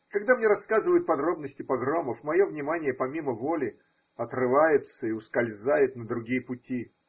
Когда мне рассказывают подробности погромов, мое внимание помимо воли отрывается и ускользает на другие пути.